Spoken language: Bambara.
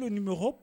Don nin bɛ hɔ